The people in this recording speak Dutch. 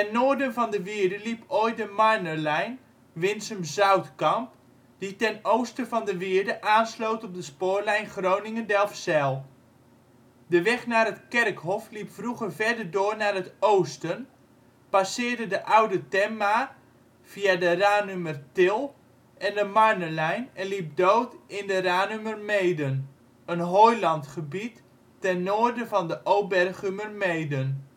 noorden van de wierde liep ooit de Marnelijn (Winsum - Zoutkamp), die ten oosten van de wierde aansloot op de spoorlijn Groningen - Delfzijl. De weg naar het kerkhof liep vroeger verder door naar het oosten, passeerde de Oude Tenmaar via de Ranumertil en de Marnelijn en liep dood in de Ranumer Meeden, een hooilandgebied (made) ten noorden van de Obergumer Meeden